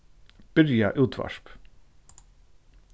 byrja útvarp